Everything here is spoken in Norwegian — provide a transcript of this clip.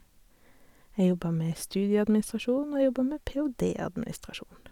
Jeg jobber med studieadministrasjon, og jeg jobber med PhD-administrasjon.